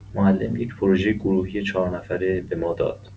معلم یک پروژه گروهی چهارنفره به ما داد.